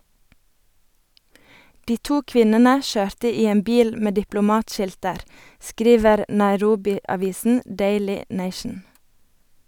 De to kvinnene kjørte i en bil med diplomatskilter, skriver Nairobi-avisen Daily Nation.